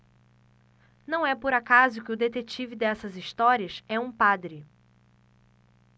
não é por acaso que o detetive dessas histórias é um padre